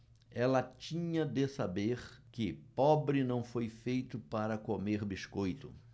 ela tinha de saber que pobre não foi feito para comer biscoito